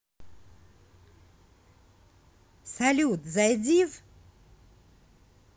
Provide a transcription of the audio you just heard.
салют зайди в